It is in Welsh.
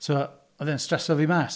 So, oedd e'n streso fi mas.